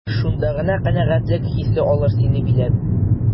Шунда гына канәгатьлек хисе алыр сине биләп.